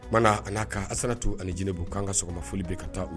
Mana a n'a kan a nana to ani jeliw ko k'an ka sɔgɔma foli bɛ ka taa